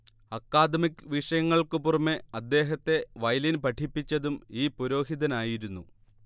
academic വിഷയങ്ങൾക്കു പുറമേ അദ്ദേഹത്തെ വയലിൻ പഠിപ്പിച്ചതും ഈ പുരോഹിതനായിരുന്നു